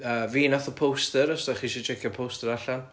yy fi nath y poster os dach chi isio tsiecio'r poster allan